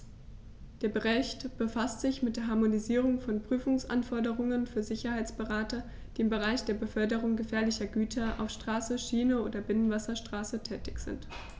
Der Bericht befasst sich mit der Harmonisierung von Prüfungsanforderungen für Sicherheitsberater, die im Bereich der Beförderung gefährlicher Güter auf Straße, Schiene oder Binnenwasserstraße tätig sind.